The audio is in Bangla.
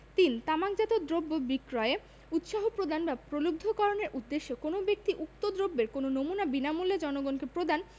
৩ তামাকজাত দ্রব্য বিক্রয়ে উৎসাহ প্রদান বা প্রলুব্ধকরণের উদ্দেশ্যে কোন ব্যক্তি উক্ত দ্রব্যের কোন নমুনা বিনামূল্যে জনগণকে প্রদান